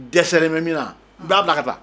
Dɛsɛlen bɛ min na, n b'a bila ka taa